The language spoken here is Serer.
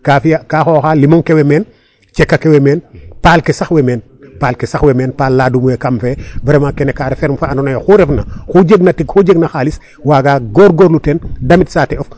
Kaa fi'aa, kaa xooxa limong ke way meen , a cek ake wey meen, taxar ke sax owey meen paal ke sax owey meen ,paal laadum wey kam fe vraiment kene ka ref ferme fa andoona yee oxu refna oxu jegna tig oxu jegna xaalis waaga goorgoorlu ten damit saate of .